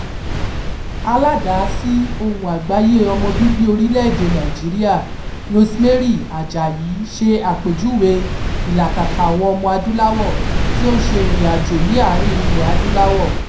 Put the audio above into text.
Aládàásí Ohùn Àgbáyé ọmọbíbí orílẹ̀-èdè Nàìjíríà Rosemary Àjàyí ṣe àpèjúwe "ìlàkàkà àwọn ọmọ-adúláwọ̀ tí ó ń ṣe ìrìnàjò ní àárín ilẹ̀-adúláwọ̀ ":